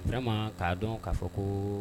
Wɛrɛ ma k'a dɔn k'a fɔ ko